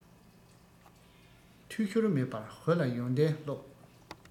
འཐུས ཤོར མེད པར བུ ལ ཡོན ཏན སློབས